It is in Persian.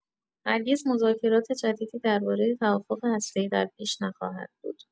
هرگز مذاکرات جدیدی درباره توافق هسته‌ای در پیش نخواهد بود.